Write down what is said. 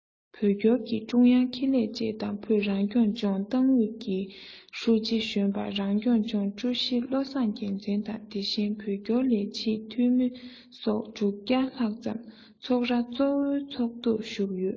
བོད སྐྱོར གྱི ཀྲུང དབྱང ཁེ ལས བཅས དང བོད རང སྐྱོང ལྗོངས ཏང ཨུད ཀྱི ཧྲུའུ ཅི གཞོན པ རང སྐྱོང ལྗོངས ཀྱི ཀྲུའུ ཞི བློ བཟང རྒྱལ མཚན དང དེ བཞིན བོད སྐྱོར ལས བྱེད ཀྱི འཐུས མི སོགས ལྷག ཙམ ཚོགས ར གཙོ བོའི ཚོགས འདུར ཞུགས ཡོད